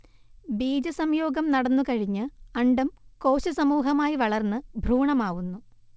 ബീജസംയോഗം നടന്നുകഴിഞ്ഞ് അണ്ഡം കോശസമൂഹമായി വളർന്ന് ഭ്രൂണമാവുന്നു